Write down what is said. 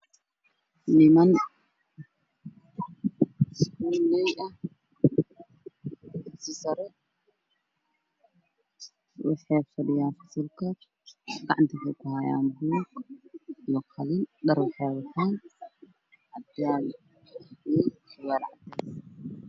Niman iskuuleey ah dugsi sare waxay fadhiyaan fasalkooda waxana gacanta kuhayaan buug io qalin dhar waxay wataa shaati cadaan ah io surwaal cad